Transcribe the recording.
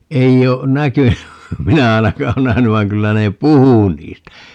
ei ole näkynyt minä ainakaan ole nähnyt vaan kyllä ne puhui niistä